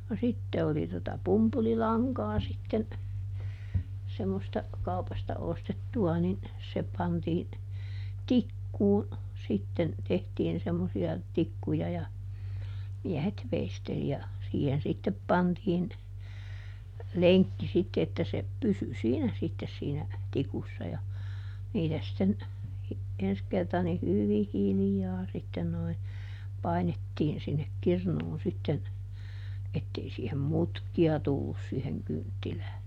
no sitten oli tuota pumpulilankaa sitten semmoista kaupasta ostettua niin se pantiin tikkuun sitten tehtiin semmoisia tikkuja ja miehet veisteli ja siihen sitten pantiin lenkki sitten että se pysyi siinä sitten siinä tikussa ja niitä sitten ensi kerta niin hyvin hiljaa sitten nuo painettiin sinne kirnuun sitten että ei siihen mutkia tullut siihen kynttilään